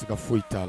Se ka foyi i t' la